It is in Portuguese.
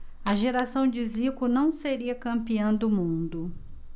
a geração de zico não seria campeã do mundo